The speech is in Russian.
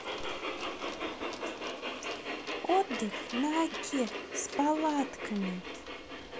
отдых на оке с палатками